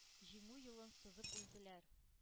Җиңү юлын сызып үлделәр.